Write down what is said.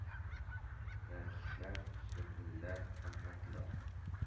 Нәркисләр, сөмбелләр һәм мәкләр